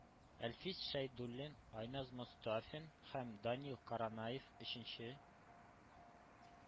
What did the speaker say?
Әлфис Шәйдуллин, Айназ Мостафин һәм Данил Каранаев өченче